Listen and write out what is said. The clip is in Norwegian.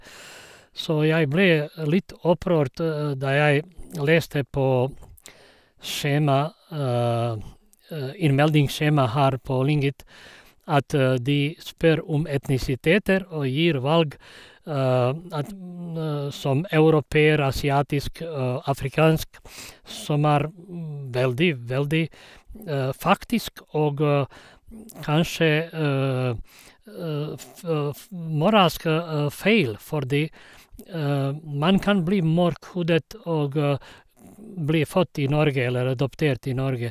Så jeg ble litt opprørt da jeg leste på skjema innmeldingsskjema her på Lingit at de spør om etnisiteter og gir valg at som europeer, asiatisk, afrikansk, som er veldig, veldig faktisk og kanskje f f moralsk feil, fordi man kan bli mørkhudet og bli født i Norge eller adoptert i Norge.